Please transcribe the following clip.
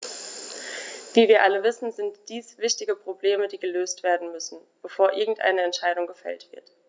Wie wir alle wissen, sind dies wichtige Probleme, die gelöst werden müssen, bevor irgendeine Entscheidung gefällt wird.